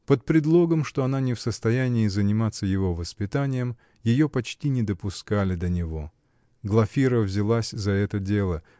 Под предлогом, что она не в состоянии заниматься его воспитанием, ее почти не допускали до него Глафира взялась за это дело